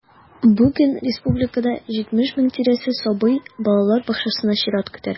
Бүген республикада 70 мең тирәсе сабый балалар бакчасына чират көтә.